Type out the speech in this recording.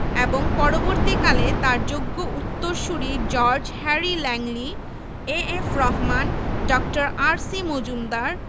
এবং পরবর্তীকালে তাঁর যোগ্য উত্তরসূরি George Harry Langley A F Rahman ড. আর.সি মজুমদার